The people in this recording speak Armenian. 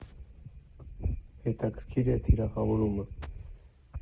Հետաքրքիր է թիրախավորումը.